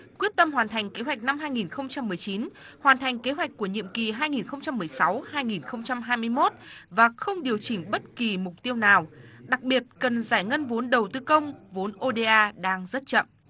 quyết tâm hoàn thành kế hoạch năm hai nghìn không trăm mười chín hoàn thành kế hoạch của nhiệm kỳ hai nghìn không trăm mười sáu hai nghìn không trăm hai mươi mốt và không điều chỉnh bất kỳ mục tiêu nào đặc biệt cần giải ngân vốn đầu tư công vốn ô đê a đang rất chậm